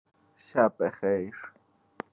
شب‌به‌خیر.